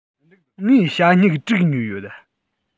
ངས ཞྭ སྨྱུག དྲུག ཉོས ཡོད